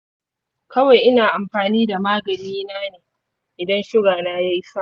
kawai ina amfani da maganina ne idan suga na yayi sama.